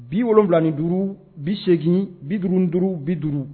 Bi wolowulai duuru bi8egin bi duuru duuru bi duuru